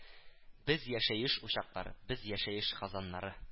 Без Яшәеш учаклары, без Яшәеш казаннары